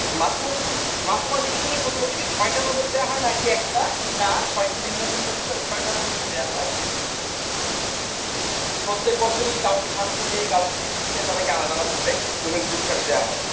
মাসুম মাসুমা জিজ্ঞেস করেছে প্রতিবছর কি ছয়টা ছয়টা নোবেল দেওয়া হয় নাকি এক টা না ছয়টি ভিন্ন ভিন্ন বিষয়ে ছয়টা নোবেল ই দেওয়া হয় প্রত্যেক বছরই কাউকে শান্তিতে কাউকে ফিজিক্সের সবাইকে আলাদা আলাদা করে নোবেল পুরস্কার দেওয়া হয়